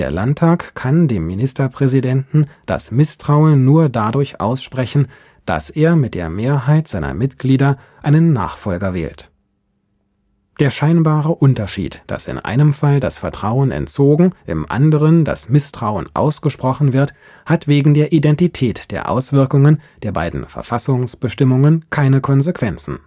Landtag kann dem Ministerpräsidenten das Misstrauen nur dadurch aussprechen, dass er mit der Mehrheit seiner Mitglieder einen Nachfolger wählt. (Verfassung des Landes Sachsen-Anhalt, Artikel 72 Absatz 1) Der scheinbare Unterschied, dass im einen Fall das Vertrauen entzogen, im anderen das Misstrauen ausgesprochen wird, hat wegen der Identität der Auswirkungen der beiden Verfassungsbestimmungen keine Konsequenzen